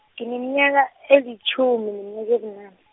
ngineminyaka, elitjhumi neminyaka ebunane.